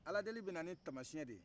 aladeli bɛ nani tamasiɛn de ye